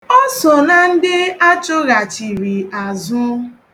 O so na ndị achụghachiri azụ.